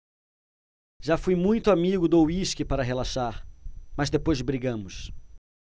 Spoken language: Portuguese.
já fui muito amigo do uísque para relaxar mas depois brigamos